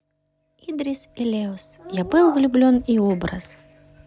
idris и leos я был влюблен и образ